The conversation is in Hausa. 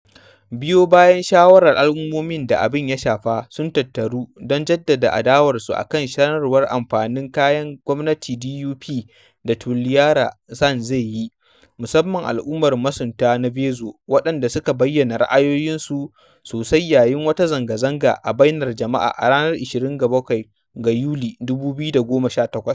Biyo bayan shawarar, al’ummomin da abin ya shafa sun tattaru don jaddada adawarsu akan sanarwar amfani da Kayan Gwamnati (DUP) da Toliara Sands zai yi, musamman al’ummar masunta na Vezo, waɗanda suka bayyana ra’ayoyinsu sosai yayin wata zanga-zanga a bainar jama’a a ranar 27 ga Yulin 2018.